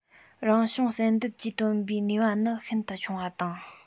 རང བྱུང བསལ འདེམས ཀྱིས བཏོན པའི ནུས པ ནི ཤིན ཏུ ཆུང བ དང